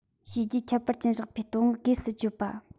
བྱས རྗེས ཁྱད པར ཅན བཞག པའི བསྟོད བསྔགས སྒོས སུ བརྗོད པ